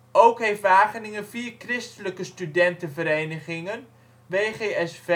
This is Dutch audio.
Ook heeft Wageningen vier Christelijke studentenverenigingen: VGSW, C.S.F.R. Dei